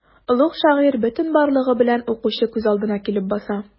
Олуг шагыйрь бөтен барлыгы белән укучы күз алдына килеп баса.